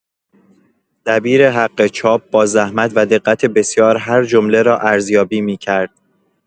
دبیر حق چاپ، با زحمت و دقت بسیار هر جمله را ارزیابی می‌کرد.